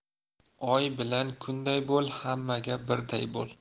oy bilan kunday bo'l hammaga birday bo'l